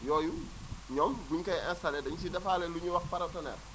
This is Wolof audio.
yooyu ñoom buñ koy intallé dañ siy defaale lu ñuy wax paratonnerre